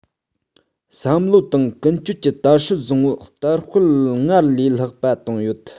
བསམ བློ དང ཀུན སྤྱོད ཀྱི དར སྲོལ བཟང པོ དར སྤེལ སྔར ལས ལྷག པ གཏོང དགོས